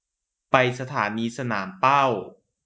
ไปสถานีสนามเป้า